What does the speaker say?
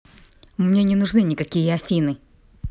мне не нужны никакие афины